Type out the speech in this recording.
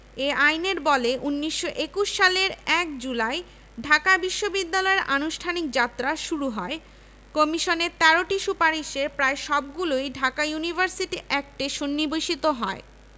তবে কলকাতা বিশ্ববিদ্যালয় কমিশনের নিকট ঢাকা বিশ্ববিদ্যালয় প্রকল্প ও পরিচালনা বিষয়ে অভিমত চাওয়া হয়েছে এবং অভিমত পাওয়া গেলেই খসড়া বিল অনুমোদিত হবে